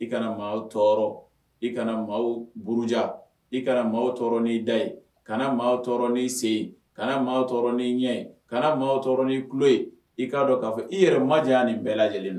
I ka na maa tɔɔrɔ, i ka na mɔgɔw buruja, i ka na maa tɔɔrɔ ni da ye, ka na maa tɔɔrɔ ni sen ye, ka na maaw tɔɔrɔ ni ɲɛ, ka na maaw tɔɔrɔ ni tulo ye. I ka don kafɔ, i yɛrɛ ma jayan nin bɛɛ lajɛlen